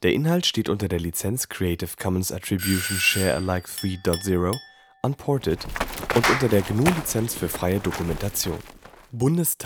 Inhalt steht unter der Lizenz Creative Commons Attribution Share Alike 3 Punkt 0 Unported und unter der GNU Lizenz für freie Dokumentation. Das